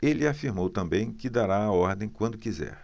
ele afirmou também que dará a ordem quando quiser